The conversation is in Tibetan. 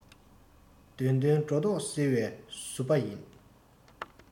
བདེན དོན སྒྲོ འདོག སེལ བའི གཟུ པ ཡིན